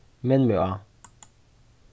minn meg á